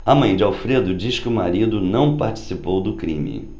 a mãe de alfredo diz que o marido não participou do crime